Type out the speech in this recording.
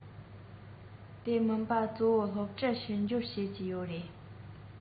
དེ མིན པ གཙོ བོ སློབ གྲྭར ཕྱི འབྱོར བྱེད ཀྱི ཡོད རེད